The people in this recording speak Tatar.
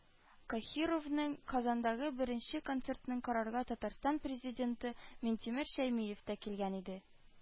Каһировның Казандагы беренче концертын карарга Татарстан президенты Миңтимер Шәймиев тә килгән иде